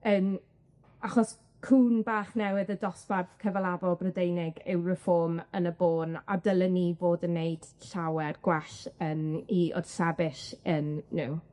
Yym achos cŵn bach newydd y dosbarth cyfalafol Brydeinig yw Reform yn y bôn, a dylen ni fod yn wneud llawer gwell yn 'u wrthsefyll yn you know.